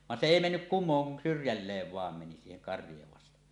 vaan se ei mennyt kumoon kun syrjälleen vain meni siihen karia vasten